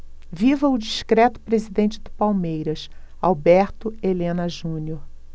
viva o discreto presidente do palmeiras alberto helena junior